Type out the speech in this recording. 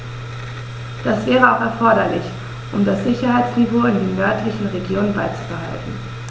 Das wäre auch erforderlich, um das Sicherheitsniveau in den nördlichen Regionen beizubehalten.